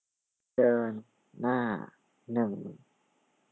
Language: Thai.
เดินหน้าหนึ่ง